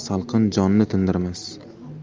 salqin jonni tindirmas